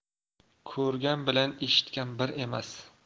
ko'rgan bilan eshitgan bir emas